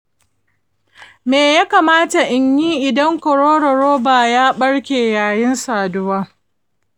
me ya kamata in yi idan kwaroron robar ya barke yayin saduwa?